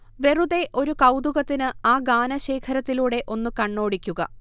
വെറുതെ ഒരു കൗതുകത്തിന് ആ ഗാനശേഖരത്തിലൂടെ ഒന്ന് കണ്ണോടിക്കുക